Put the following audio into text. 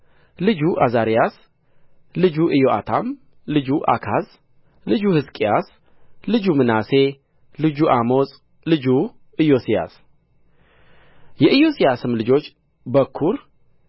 ልጁ ዓዛርያስ ልጁ ኢዮአታም ልጁ አካዝ ልጁ ሕዝቅያስ ልጁ ምናሴ ልጁ አሞጽ ልጁ ኢዮስያስ የኢዮስያስም ልጆች በኵሩ